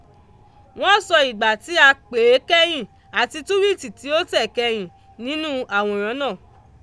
Wọ́n sọ ìgbà tí a pè é kẹ́yìn àti túwíìtì tí ó tẹ̀ kẹyìn nínú àwòrán náà.